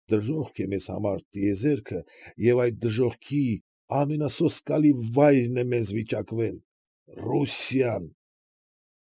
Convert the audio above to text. Դժոխք է մեզ համար տիեզերքը, և այդ դժոխքի ամենասոսկալի վայրն է մեզ վիճակվել… Ռուսիան։